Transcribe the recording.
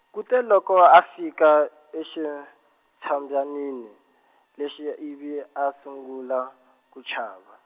kute loko a fika exintshabyanini, lexi ivi a sungula, ku chava.